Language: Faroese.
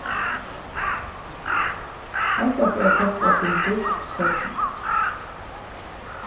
hetta fer at kosta okkum dýrt seinni